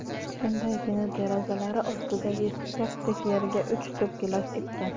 shundaygina derazalari ostidagi kaftdek yerga uch tup gilos ekkan